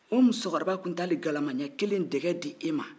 o musokrba tun tɛ hali galama ɲɛ kelen dɛgɛ di e ma